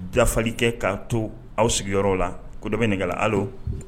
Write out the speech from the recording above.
Dafali kɛ k'a to aw sigiyɔrɔ la ko dɔ bɛ nɛgɛ la allô .